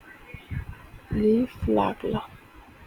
Lii falag la.